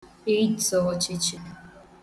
ịdzọọchị̄chị̄